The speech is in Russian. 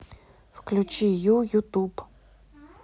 включи ю ютуб